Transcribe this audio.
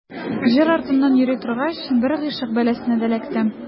Җыр артыннан йөри торгач, бер гыйшык бәласенә дә эләктем.